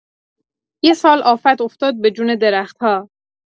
یه سال آفت افتاد به جون درخت‌ها.